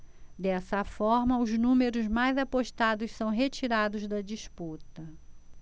dessa forma os números mais apostados são retirados da disputa